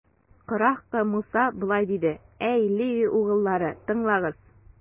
Корахка Муса болай диде: Әй Леви угыллары, тыңлагыз!